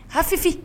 Hafin